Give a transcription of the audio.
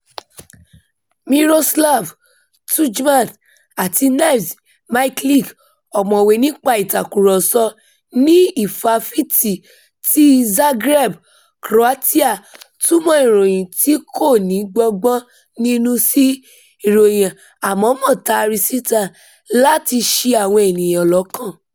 Miroslav Tudjman àti Nives Mikelic, ọ̀mọ̀wé nípa ìtàkùrọ̀sọ ní Ifáfitì ti Zagreb, Croatia, túmọ̀ ìròyìn tí kò ní gbọ́ngbọ́n nínú sí "ìròyìn àmọ̀ọ́mọ̀ tari síta láti ṣi àwọn ènìyàn lọ́kàn".